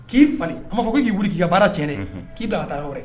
K'i falen a'a fɔ ko k'i wili k'i baara tiɲɛ k'i da ka taa wɛrɛ